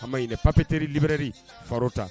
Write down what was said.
Hay papiteri bri fa ta